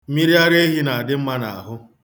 Mmiriaraehi na-adị mma na-ahụ.